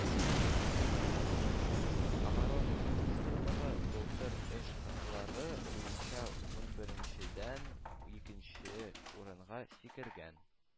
Оборона министрлыгы былтыр эш хаклары буенча унберенчедән икенче урынга сикергән